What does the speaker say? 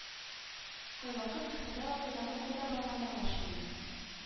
Кайвакыт сәхнәдә вакыйганың кайда барганы аңлашылмый